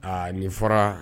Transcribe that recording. Aa nin fɔra